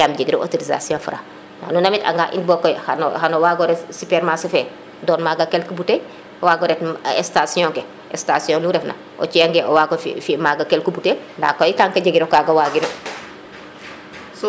yaam jegiro autorisation fra nu ndamit anga in bo koy xano wago ret supermarché fe doon maga quelques bouteilles wagoret no station ke station nu ref na o ci ange o wago fi fi maga quelques bouteilles nda koy tant que jegiro kaga wagino